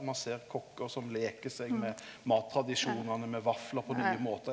ein ser kokkar som leiker seg med mattradisjonane, med vaflar på nye måtar.